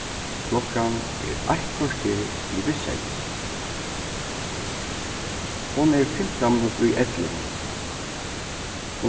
klokkan er eitt korter yvir seks hon er fimtan minuttir í ellivu